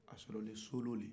a sɔrɔla solu de